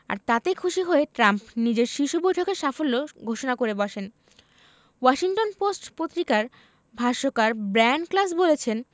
আর তাতেই খুশি হয়ে ট্রাম্প নিজের শীর্ষ বৈঠকের সাফল্য ঘোষণা করে বসেন ওয়াশিংটন পোস্ট পত্রিকার ভাষ্যকার ব্রায়ান ক্লাস বলেছেন